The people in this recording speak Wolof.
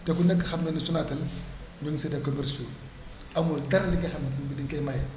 te ku nekk xam nga ne Sonatel même si c' est des commerciaux amul dara li nga xamante ni bii dañ koy maye